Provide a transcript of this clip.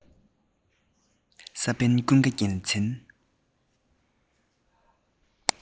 ས པན ཀུན དགའ རྒྱལ མཚན